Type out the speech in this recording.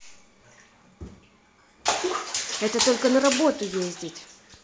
это только на работу ездить